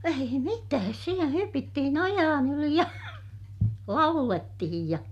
ei mitään siellä hypittiin ojien yli ja laulettiin ja